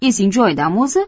esing joyidami o'zi